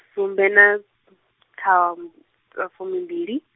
sumbe na, than-, fumimbili.